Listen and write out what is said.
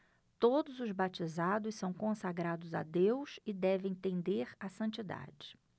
todos os batizados são consagrados a deus e devem tender à santidade